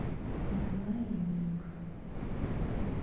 николай юренко